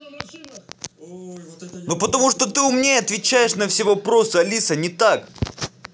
ну потому что ты умнее отвечаешь на все вопросы алиса не так